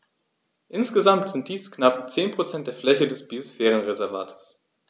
Insgesamt sind dies knapp 10 % der Fläche des Biosphärenreservates.